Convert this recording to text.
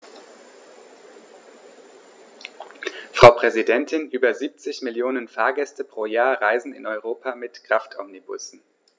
Frau Präsidentin, über 70 Millionen Fahrgäste pro Jahr reisen in Europa mit Kraftomnibussen.